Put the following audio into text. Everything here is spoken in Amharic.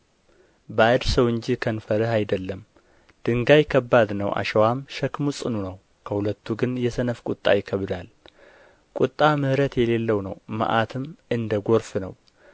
ባዕድ ሰው እንጂ ከንፈርህ አይደለም ድንጋይ ከባድ ነው አሸዋም ሸክሙ ጽኑ ነው ከሁለቱ ግን የሰነፍ ቍጣ ይከብዳል ቍጣ ምሕረት የሌለው ነው መዓትም እንደ ጎርፍ ነው